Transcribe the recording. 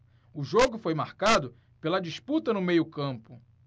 o jogo foi marcado pela disputa no meio campo